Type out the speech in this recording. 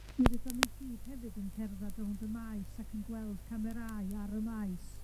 Hefyd 'dan ni gyd hefyd yn cerddad rownd y maes ac yn gweld camerâu ar y maes.